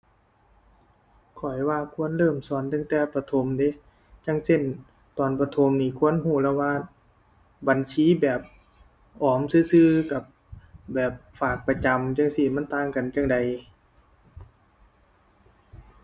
ข้อยว่าควรเริ่มสอนตั้งแต่ประถมเดะ อย่างเช่น ตอนประถมนี่ควรรู้แล้วว่าบัญชีแบบออมซื่อซื่อกับแบบฝากประจำจั่งซี้มันต่างกันจั่งใด